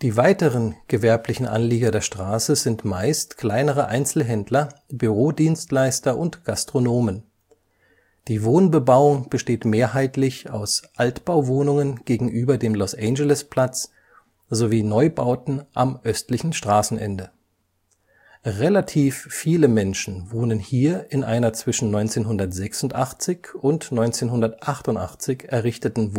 weiteren gewerblichen Anlieger der Straße sind meist kleinere Einzelhändler, Bürodienstleister und Gastronomen. Die Wohnbebauung besteht mehrheitlich aus Altbauwohnungen gegenüber dem Los-Angeles-Platz sowie Neubauten am östlichen Straßenende. Relativ viele Menschen wohnen hier in einer zwischen 1986 und 1988 errichteten